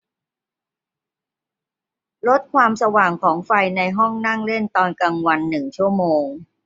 ลดความสว่างของไฟในห้องนั่งเล่นตอนกลางวันหนึ่งชั่วโมง